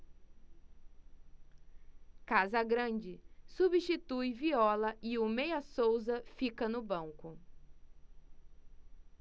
casagrande substitui viola e o meia souza fica no banco